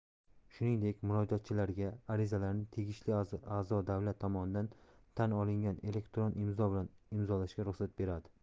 shuningdek murojaatchilarga arizalarni tegishli a'zo davlat tomonidan tan olingan elektron imzo bilan imzolashga ruxsat beradi